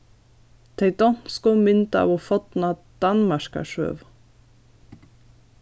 tey donsku myndaðu forna danmarkarsøgu